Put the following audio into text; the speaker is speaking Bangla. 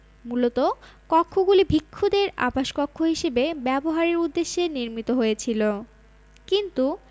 মূলত কক্ষগুলি ভিক্ষুদের আবাসকক্ষ হিসেবে ব্যবহারের উদ্দেশ্যে নির্মিত হয়েছিল কিন্তু